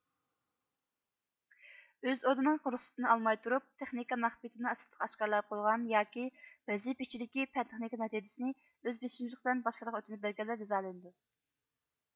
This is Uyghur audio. ئۆز ئورنىنىڭ رۇخسىتىنى ئالماي تۇرۇپ تېخنىكا مەخپىيىتىنى سىرتقا ئاشكارىلاپ قويغان ياكى ۋەزىيە ئىچىدىكى پەن تېخنىكا نەتىجىسىنى ئۆز بېشىمچىلىق بىلەن باشقلارغا ئۆتۈنۈپ بەرگەنلەرجازالىندۇ